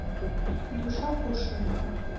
душа пушинка